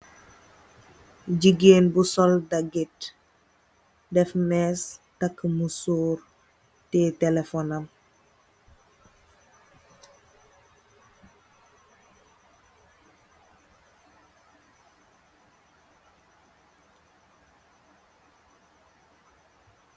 Gigeen bu sol daget, taka mosour def més, teyéh telephone nam.